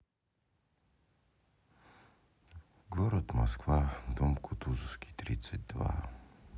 город москва дом кутузовский тридцать два